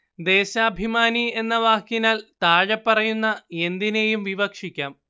ദേശാഭിമാനി എന്ന വാക്കിനാൽ താഴെപ്പറയുന്ന എന്തിനേയും വിവക്ഷിക്കാം